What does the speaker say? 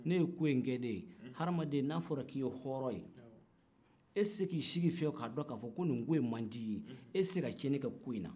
ne ye ko in kɛ de hadamaden n'a fɔra k'i ye hɔrɔn ye e tɛ se k'i sigi fiyewu ka dɔn ka fɔ ko in man d'i ye e tɛ se ka tiɲɛni ko in na